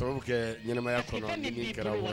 Sababu kɛ ɲɛnamaya kɔnɔ nin kɛra.